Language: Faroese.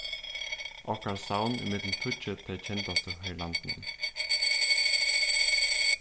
okkara savn er millum tíggju tey kendastu her í landinum